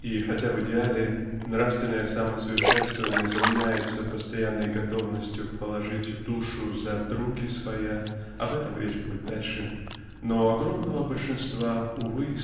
И хотя в идеале нравственное самосовершенствование заменяется постоянной готовностью положить душу за други своя (об этом речь будет дальше) но у огромного большинства -- увы!